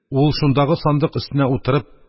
Ул, шундагы сандык өстенә утырып,